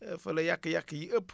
fa la yàq-yàq yi ëpp